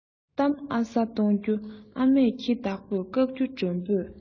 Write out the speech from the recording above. གཏམ ཨ ས གཏོང རྒྱུ ཨ མས ཁྱི བདག པོས བཀག རྒྱུ མགྲོན པོས